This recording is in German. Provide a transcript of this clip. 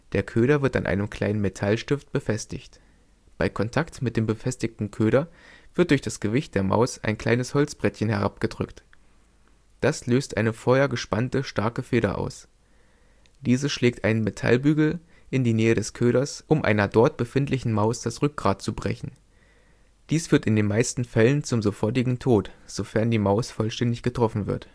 Der Köder wird an einem kleinen Metallstift befestigt. Bei Kontakt mit dem befestigten Köder wird durch das Gewicht der Maus ein kleines Holzbrettchen herabgedrückt. Das löst eine vorher gespannte starke Feder aus. Diese schlägt einen Metallbügel in die Nähe des Köders, um einer dort befindlichen Maus das Rückgrat zu brechen. Dies führt in den meisten Fällen zum sofortigen Tod, sofern die Maus vollständig getroffen wird